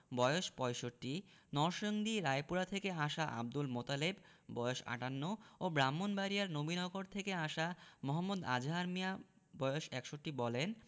বয়স ৬৫ নরসিংদী রায়পুরা থেকে আসা আবদুল মোতালেব বয়স ৫৮ ও ব্রাহ্মণবাড়িয়ার নবীনগর থেকে আসা মো. আজহার মিয়া বয়স ৬১ বলেন